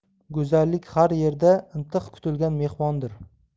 go'zallik har yerda intiq kutilgan mehmondir